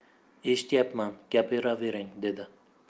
eshityapman gapiravering dedi